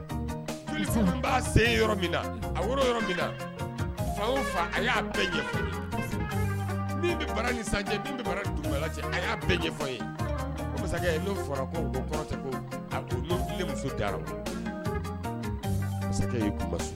Fa dugu alen muso